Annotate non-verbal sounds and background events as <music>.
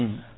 <hesitation> <hesitation>